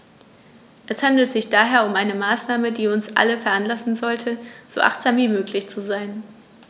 Es handelt sich daher um eine Maßnahme, die uns alle veranlassen sollte, so achtsam wie möglich zu sein.